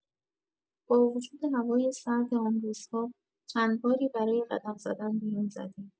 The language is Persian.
با وجود هوای سرد آن روزها چند باری برای قدم زدن بیرون زدیم.